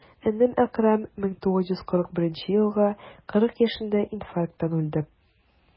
Энем Әкрам, 1941 елгы, 40 яшендә инфаркттан үлде.